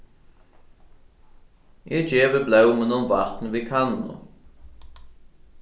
eg gevi blómunum vatn við kannu